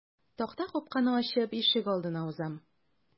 Такта капканы ачып ишегалдына узам.